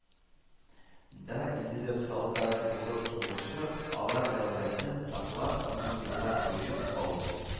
Да изелеп, солдат булып сугышып, алар дәүләтен саклап, мең еллар буе кол